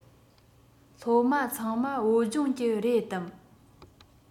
སློབ མ ཚང མ བོད ལྗོངས ཀྱི རེད དམ